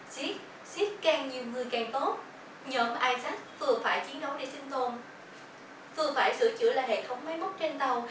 giết giết càng nhiều người càng tốt nhóm isaac vừa phải chiến đấu để sinh tồn vừa phải sửa chữa lại hệ thống máy móc trên tàu